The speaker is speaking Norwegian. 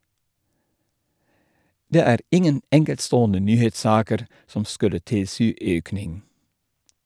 - Det er ingen enkeltstående nyhetssaker som skulle tilsi økning.